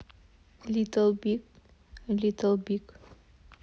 литтл биг литтл биг